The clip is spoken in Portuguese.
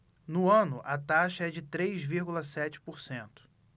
no ano a taxa é de três vírgula sete por cento